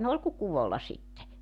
ne oli kuin kuvolla sitten